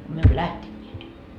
me emme lähteneet